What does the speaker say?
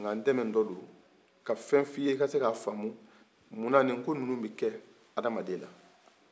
nka ntɛmɛtɔdon ka fɛn f'i ye i bese ka min faamu munnan ni ko nimuw kɛ adamadenna